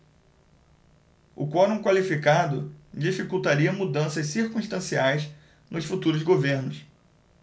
o quorum qualificado dificultaria mudanças circunstanciais nos futuros governos